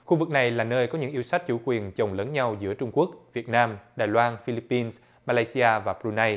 khu vực này là nơi có những yêu sách chủ quyền chồng lấn nhau giữa trung quốc việt nam đài loan phi líp pin ma lay si a và bờ ru nây